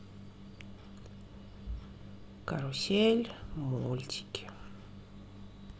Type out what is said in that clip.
карусель мультики